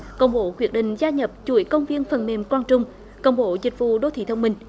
công bố quyết định gia nhập chuỗi công viên phần mềm quang trung công bố dịch vụ đô thị thông minh